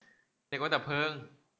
เรียกรถดับเพลิง